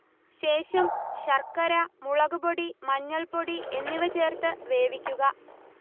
ശേഷം ശർക്കര, മുളക്പൊടി മഞ്ഞൾപ്പൊടി എന്നിവ ചേർത്ത് വേവിക്കുക